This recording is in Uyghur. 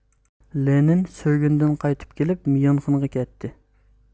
لېنىن سۈرگۈندىن قايتىپ كېلىپ ميۇنخېنغا كەتتى